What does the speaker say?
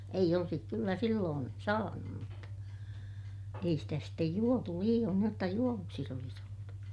ei olisi kyllä silloin saanut mutta ei sitä sitten juotu liioin niin jotta juovuksissa olisi oltu